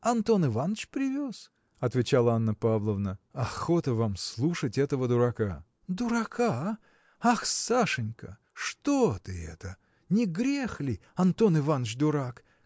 – Антон Иваныч привез, – отвечала Анна Павловна. – Охота вам слушать этого дурака! – Дурака! Ах, Сашенька, что ты это? не грех ли? Антон Иваныч дурак!